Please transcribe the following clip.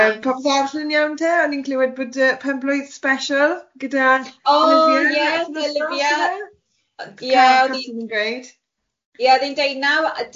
Yym popeth arall yn iawn te o'n i'n clywed bod y penblwydd sbesial gyda... o ie Telefia, ia oedd hi'n gweud ia, oedd hi'n deud nawr dydd